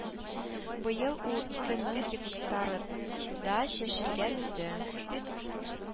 Быел ул ике мең гектар да чәчелгән иде